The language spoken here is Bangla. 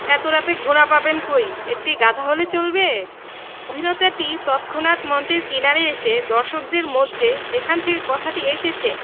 এত রাতে ঘোড়া পাবেন কই একটি গাধা হলে চলবে অভিনেতাটি তৎক্ষনাত মঞ্চের কিনারে এসে দর্শকদের মধ্যে যেখান থেকে কথাটা এসেছে